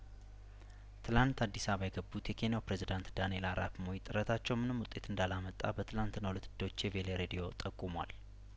ትላንት አዲስ አባ የገቡት የኬንያው ፕሬዝዳንት ዳንኤል አራፕሞይ ጥረታቸው ምንም ውጤት እንዳላመጣ በትላንትናው እለት ዶቸቬሌ ሬድዮ ጠቁሟል